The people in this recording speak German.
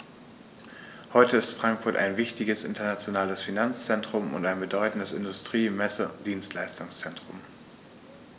Heute ist Frankfurt ein wichtiges, internationales Finanzzentrum und ein bedeutendes Industrie-, Messe- und Dienstleistungszentrum.